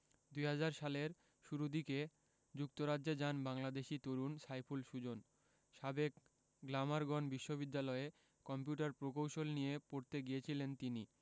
২০০০ সালের শুরু দিকে যুক্তরাজ্যে যান বাংলাদেশি তরুণ সাইফুল সুজন সাবেক গ্লামারগন বিশ্ববিদ্যালয়ে কম্পিউটার প্রকৌশল নিয়ে পড়তে গিয়েছিলেন তিনি